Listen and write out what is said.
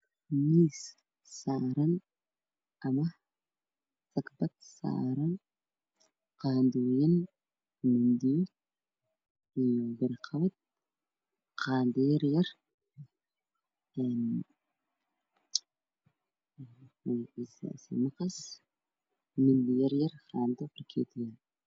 Miss saran qandhooyin hindiyo barqalin miiska khilaafkiisa waa caddaan warqalintu waa madoobe qaanday waa madow